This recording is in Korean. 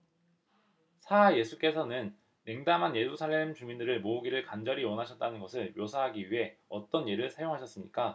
사 예수께서는 냉담한 예루살렘 주민들을 모으기를 간절히 원하셨다는 것을 묘사하기 위해 어떤 예를 사용하셨습니까